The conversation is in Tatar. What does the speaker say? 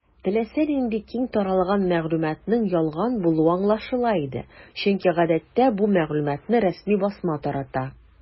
Теләсә нинди киң таралган мәгълүматның ялган булуы аңлашыла иде, чөнки гадәттә бу мәгълүматны рәсми басма тарата.